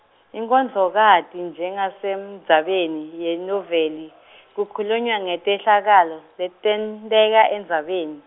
inkondlokati njengasendzabeni yenoveli, kukhulunywa ngetehlakalo, letenteka endzabeni.